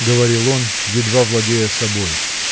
— говорил он, едва владея собой.